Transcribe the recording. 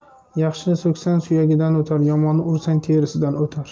yaxshini so'ksang suyagidan o'tar yomonni ursang terisidan o'tar